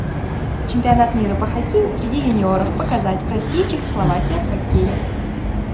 чемпионат мира по хоккею среди юниоров показать россия чехословакия хоккей